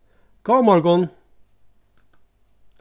góðan morgun